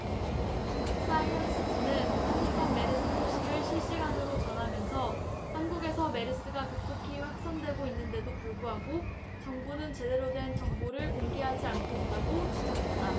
사이언스지는 한국판 메르스 소식을 실시간으로 전하면서 한국에서 메르스가 급속히 확산되고 있는데도 불구하고 정부는 제대로 된 정보를 공개하지 않고 있다고 지적했다